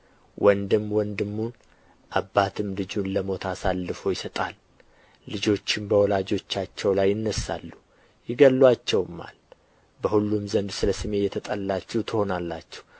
ወንድምም ወንድሙን አባትም ልጁን ለሞት አሳልፎ ይሰጣል ልጆችም በወላጆቻቸው ላይ ይነሣሉ ይገድሉአቸውማል በሁሉም ዘንድ ስለ ስሜ የተጠላችሁ ትሆናላችሁ